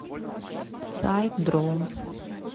сайт дром